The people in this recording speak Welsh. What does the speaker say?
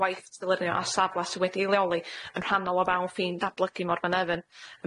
gwaith dylunio y safle sy wedi'i leoli yn rhannol o fewn ffin datblygu Morfa Nefyn.